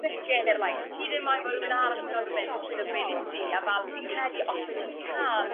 sicir like ti ddim moyn bo' rywun arall yn gorfo myn' trwyddo bi nest ti a fal fi'n credu os 'yt ti'n ca'l